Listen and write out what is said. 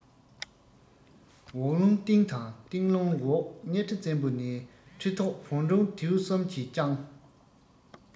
འོག རླུང སྟེང དང སྟེང རླུང འོག གཉའ ཁྲི བཙན པོ ནས ཁྲི ཐོག བོན སྒྲུང ལྡེའུ གསུམ གྱིས བསྐྱངས